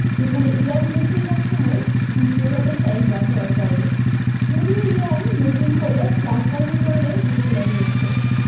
সেখানে ইরান বেশির ভাগ সময় দ্বিতীয় মানের ট্যাংক ব্যবহার করে যদিও ইরান নতুন করে প্ল্যাটফর্ম উন্নয়নের ঘোষণা দিয়েছে